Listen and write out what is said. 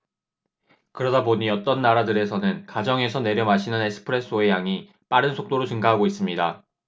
그러다 보니 어떤 나라들에서는 가정에서 내려 마시는 에스프레소의 양이 빠른 속도로 증가하고 있습니다